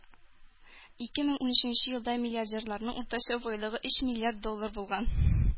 Ике мең унөченче елда миллиардерларның уртача байлыгы өч миллиард доллар булган.